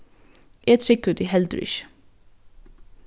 eg trúgvi tí heldur ikki